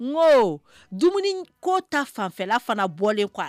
Nko dumuni ko ta fanfɛla fana bɔlen